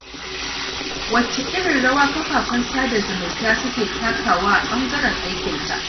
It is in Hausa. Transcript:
Wacce irin rawa kafafen sada zumunta suke takawa a ɓangaren aikinka?